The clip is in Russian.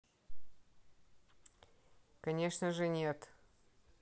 конечно же нет